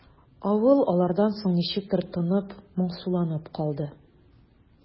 Авыл алардан соң ничектер тынып, моңсуланып калды.